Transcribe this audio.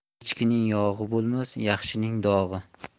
echkining yog'i bo'lmas yaxshining dog'i